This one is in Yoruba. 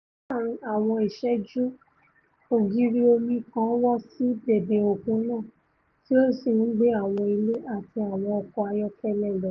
Láàrin àwọn ìṣẹ́jú ògiri omi kan wó sí bèbè òkun náà, tí ó sì ńgbé àwọn ilé àti àwọn ọkọ ayọ́kẹ́lẹ́ lọ.